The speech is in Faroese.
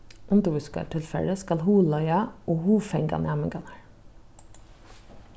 undirvísingartilfarið skal hugleiða og hugfanga næmingarnar